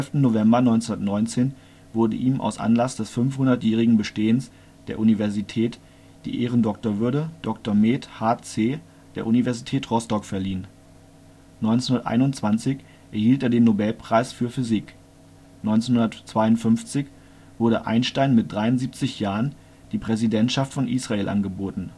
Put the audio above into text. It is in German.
November 1919 wurde ihm aus Anlass des 500jährigen Bestehens der Universität die Ehrendoktorwürde (Dr. med. h.c.) der Universität Rostock verliehen. 1921 erhielt er den Nobelpreis für Physik. 1952 wurde Einstein mit 73 Jahren die Präsidentschaft von Israel angeboten